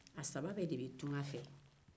a saba bɛɛ de bɛ tugan fɛ